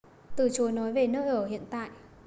từ chối nói về nơi ở hiện tại